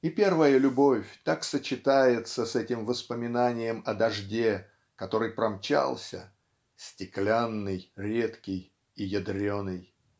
И первая любовь так сочетается с этим воспоминанием о дожде который промчался "стеклянный редкий и ядреный"